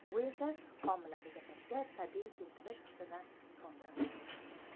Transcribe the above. bu esa homilada yashashga tabiiy intilish hissini so'ndiradi